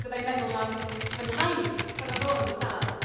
Fydda i'n meddwl am fy nhaid pan oedd o'n sâl.